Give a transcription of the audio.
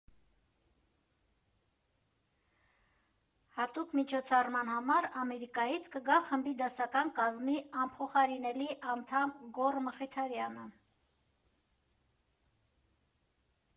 Հատուկ միջոցառման համար Ամերիկայից կգա խմբի դասական կազմի անփոխարինելի անդամ Գոռ Մխիթարյանը։